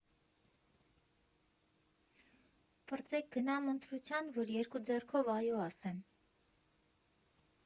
Պրծե՜ք, գնամ ընտրության, որ երկու ձեռքով «այո» ասեմ։